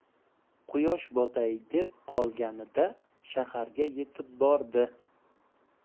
quyosh botay deb qolganida shaharga yetib bordi